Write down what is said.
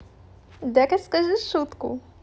да расскажи шутку